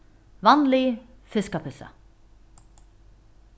vanlig fiskapylsa